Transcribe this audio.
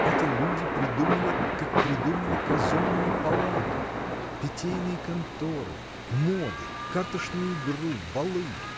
Это люди придумали, как придумали казенную палату, питейные конторы, моды, карточную игру, балы!